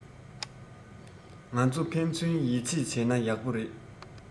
ང ཚོ ཕན ཚུན ཡིད ཆེད བྱེད ན ཡག པོ རེད